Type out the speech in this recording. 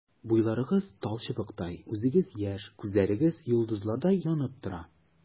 Буйларыгыз талчыбыктай, үзегез яшь, күзләрегез йолдызлардай янып тора.